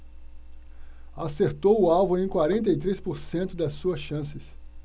acertou o alvo em quarenta e três por cento das suas chances